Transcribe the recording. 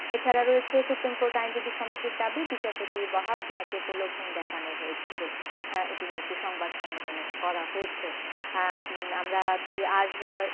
এছাড়া রয়েছে supreme court আইনজীবী সমিতির দাবি বিচারপতি ওয়াহাব মিয়া কে প্রলোভন দেখানো হয়েছিল এটি নিয়ে একটি সংবাদ সম্মেলনও করা হয়েছে আমরা কি আর